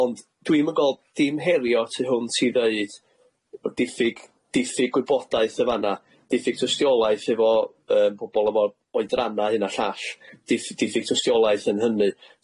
ond dwi'm yn gweld dim herio tu hwnt i ddeud o diffyg diffyg gwybodaeth yn fan'na diffyg dystiolaeth efo yym pobol oedrana hynna llall di- di- dystiolaeth yn hynny.